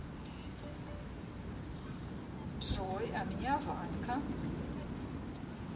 джой а меня ванька